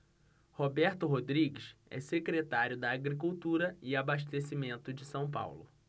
roberto rodrigues é secretário da agricultura e abastecimento de são paulo